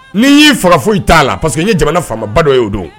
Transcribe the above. N'i y'i faga foyi t'a la parceriseke ye jamana faamaba dɔ y'o don